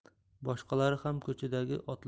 boshqalari ham ko'chadagi otlariga